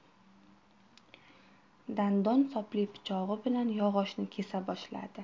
dandon sopli pichog'i bilan yog'ochni kesa boshladi